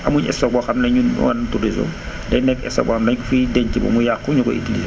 amuñ stock boo xam ne ñun à notre niveau day nekk stock boo xam dañ ko fiy denc ba mu yàqu ñu koy utilisé